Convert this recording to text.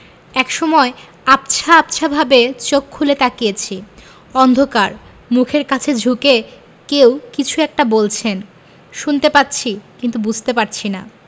একসময় আবছা আবছাভাবে চোখ খুলে তাকিয়েছি অন্ধকার মুখের কাছে ঝুঁকে কেউ কিছু একটা বলছেন শুনতে পাচ্ছি কিন্তু বুঝতে পারছি না